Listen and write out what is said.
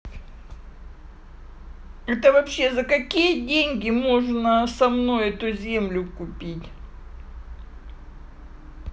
это вообще за такие деньги можно со мной эту землю купить